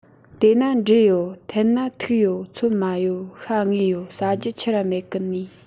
དེ ན འབྲས ཡོད འཐེན ན ཐུག ཡོད ཚོད མ ཡོད ཤ བརྔོས ཡོད ཟ རྒྱུ ཆི ར མེད གི ནིས